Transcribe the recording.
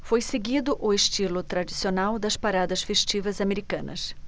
foi seguido o estilo tradicional das paradas festivas americanas